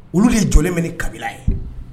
Olu de jɔ minɛ kabila ye